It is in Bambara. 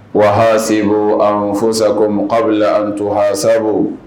Waaase ko an fo sagoko bila an to ha sago